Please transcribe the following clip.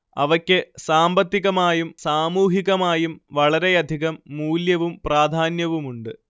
അവയ്ക്ക് സാമ്പത്തികമായും സാമൂഹികമായും വളരെയധികം മൂല്യവും പ്രാധാന്യവുമുണ്ട്